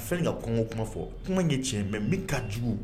A filɛ nin ye ka kɔngɔko kuma fɔ, kuma in ye tiɲɛ ye mais min ka jugu